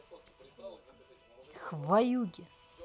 хваюги